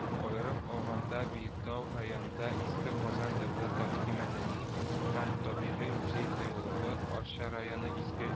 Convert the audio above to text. Аерым алганда, Биектау районында Иске Казан дәүләт тарихи-мәдәни һәм табигый музей-тыюлыгы, Арча районы Иске